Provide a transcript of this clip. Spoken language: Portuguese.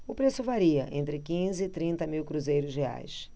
o preço varia entre quinze e trinta mil cruzeiros reais